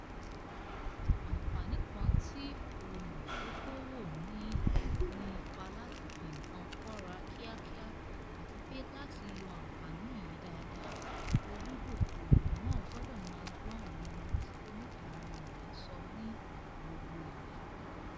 Àǹfààní kan tí olùdókoòwò ní ni ipá láti fi nǹkan kọ̀ra kíákíá, àti pé láti lo àǹfààní yìí daada olùdókoòwò náà gbọ́dọ̀ máa gbọ́ àwọn ohun tí oníbàárà rẹ ń sọ ní gbogbo ìgbà.